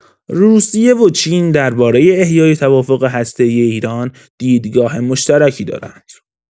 روسیه و چین درباره احیای توافق هسته‌ای ایران دیدگاه مشترکی دارند.